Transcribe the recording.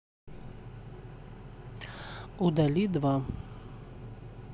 удали два